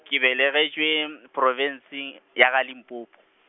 ke belegetšwe m-, profenseng, ya ga Limpopo.